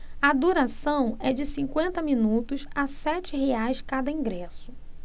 a duração é de cinquenta minutos a sete reais cada ingresso